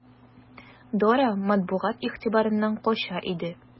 Дора матбугат игътибарыннан кача иде.